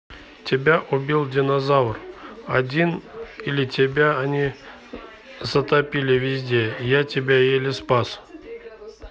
тебя убил динозавр один или тебя они затопили везде я тебя еле спас